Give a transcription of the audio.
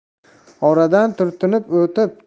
oradan turtinib o'tib